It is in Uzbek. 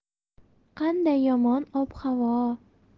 qanday yomon ob havo